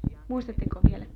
muistatteko vielä